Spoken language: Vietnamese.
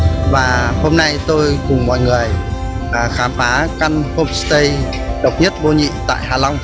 và hôm nay tôi cùng mọi người khám phá căn homestay độc nhất vô nhị tại hạ long